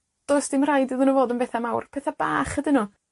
Does dim raid iddyn nw fod yn betha mawr. Petha bach ydyn nw.